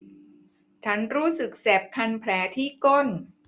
ฉันรู้สึกแสบคันแผลที่ก้น